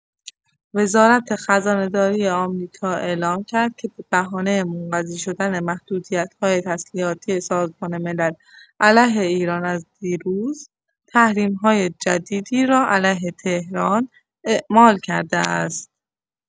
وزارت خزانه‌داری آمریکا اعلام کرد که به بهانه منقضی‌شدن محدودیت‌های تسلیحاتی سازمان ملل علیه ایران از دیروز، تحریم‌های جدیدی را علیه تهران اعمال کرده است.